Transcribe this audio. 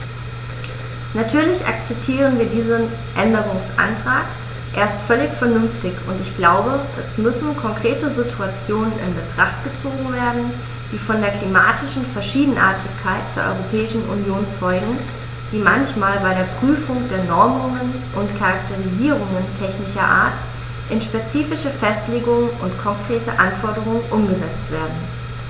Natürlich akzeptieren wir diesen Änderungsantrag, er ist völlig vernünftig, und ich glaube, es müssen konkrete Situationen in Betracht gezogen werden, die von der klimatischen Verschiedenartigkeit der Europäischen Union zeugen, die manchmal bei der Prüfung der Normungen und Charakterisierungen technischer Art in spezifische Festlegungen und konkrete Anforderungen umgesetzt werden.